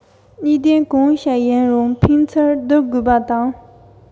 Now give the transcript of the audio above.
ཕར སྡུར ཚུར སྡུར བྱས ནས ཁོང གི ཐོག ཏུ འཁེལ བ རེད